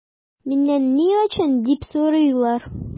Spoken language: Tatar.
Миннән “ни өчен” дип сорыйлар.